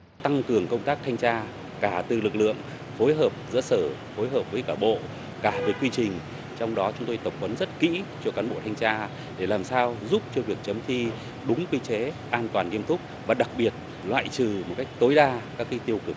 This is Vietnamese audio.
tăng cường công tác thanh tra cả từ lực lượng phối hợp giữa sở phối hợp với cả bộ cả về quy trình trong đó chúng tôi tập huấn rất kỹ cho cán bộ thanh tra để làm sao giúp cho việc chấm thi đúng quy chế an toàn nghiêm túc và đặc biệt loại trừ một cách tối đa các kí tiêu cực